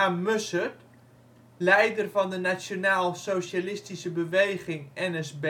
Mussert (leider van de Nationaal-Socialistische Beweging (NSB